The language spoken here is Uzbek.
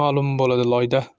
ma'lum bo'ladi loyda